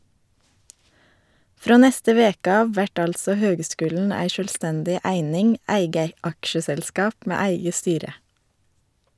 Frå neste veke av vert altså høgskulen ei sjølvstendig eining, eige aksjeselskap med eige styre.